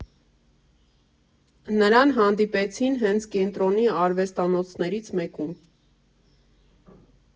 Նրան հանդիպեցինք հենց կենտրոնի արվեստանոցներից մեկում։